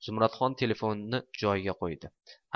zumradxon telefonni joyiga qo'ydi